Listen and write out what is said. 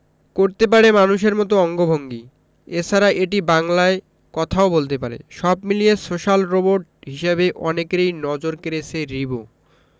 করতে পারে মানুষের মতো অঙ্গভঙ্গি এছাড়া এটি বাংলায় কথাও বলতে পারে সব মিলিয়ে সোশ্যাল রোবট হিসেবে অনেকেরই নজর কেড়েছে রিবো